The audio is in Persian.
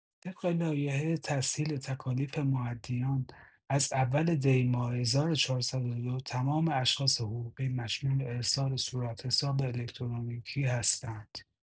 طبق لایحه تسهیل تکالیف مودیان از اول دی‌ماه ۱۴۰۲ تمام اشخاص حقوقی مشمول ارسال صورتحساب الکترونیکی هستند.